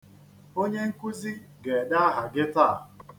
Onye nkụzi ga-ede aha gị taa.